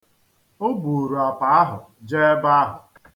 O buru apa ahụ jee ebe ahụ.